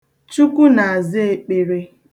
Chukwu na-aza ekpere.